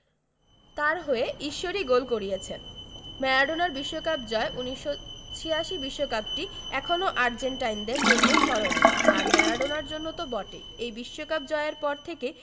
তাঁর হয়ে ঈশ্বরই গোল করিয়েছেন ম্যারাডোনার বিশ্বকাপ জয় ১৯৮৬ বিশ্বকাপটি এখনো আর্জেন্টাইনদের জন্য স্মরণীয় আর ম্যারাডোনার জন্য তো বটেই এই বিশ্বকাপ জয়ের পর থেকেই